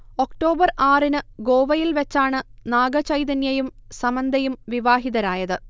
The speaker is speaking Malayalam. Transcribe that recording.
ഒക്ടോബർ ആറിന് ഗോവയിൽ വച്ചാണ് നാഗചൈതന്യയും സമന്തയും വിവാഹിതരായത്